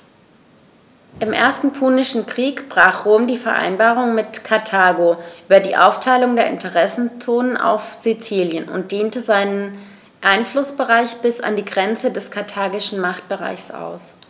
Im Ersten Punischen Krieg brach Rom die Vereinbarung mit Karthago über die Aufteilung der Interessenzonen auf Sizilien und dehnte seinen Einflussbereich bis an die Grenze des karthagischen Machtbereichs aus.